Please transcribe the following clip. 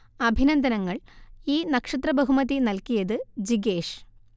അഭിനന്ദനങ്ങൾ ഈ നക്ഷത്ര ബഹുമതി നൽകിയത് ജിഗേഷ്